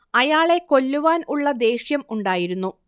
അയാളെ കൊല്ലുവാൻ ഉള്ള ദേഷ്യം ഉണ്ടായിരുന്നു